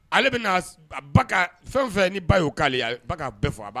Ale bɛna ba ka, fɛn o fɛn ni ba y'o k'ale ye ba k'a bɛɛ fɔ a b'a